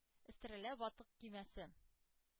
Өстерәлә ватык көймәсе.